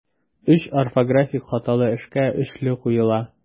Өч орфографик хаталы эшкә өчле куела.